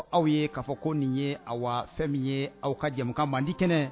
Aw ye ka fɔ ko nin ye awa fɛn min ye aw ka jamukan mandi kɛnɛ ye.